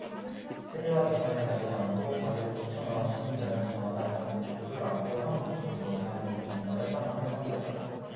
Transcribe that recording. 세대와 계층을 가리지 않고 거리로 뛰쳐나온 시민들은 저마다 가슴에 촛불을 안고 한 목소리로 대한민국 정부의 사망을 선고했다